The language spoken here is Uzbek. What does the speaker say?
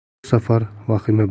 bu safar vahima